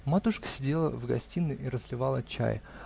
Матушка сидела в гостиной и разливала чай